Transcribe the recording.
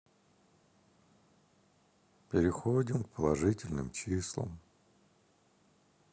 переходим к положительным числам